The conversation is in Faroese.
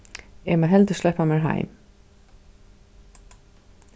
eg má heldur sleppa mær heim